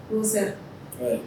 Nsan